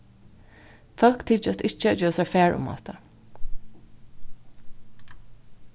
fólk tykjast ikki at geva sær far um hatta